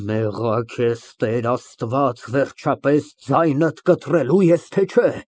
Մեղա քեզ Տեր Աստված, վերջապես, ձայնդ կտրելո՞ւ ես, թե՞ չէ։